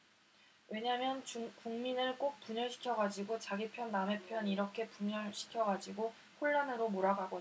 왜냐면 국민을 꼭 분열시켜가지고 자기 편 남의 편 이렇게 분열시켜가지고 혼란으로 몰아가거든요